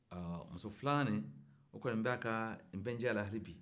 muso filanan in o kɔni b'a ka n-bɛ-n-diya hali bi